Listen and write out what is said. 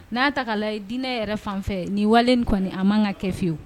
N'a ta la ye dinɛ yɛrɛ fan nin wale kɔni a man ka kɛ fiwu